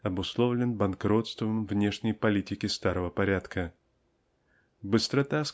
обусловлен банкротством внешней политики старого порядка. Быстрота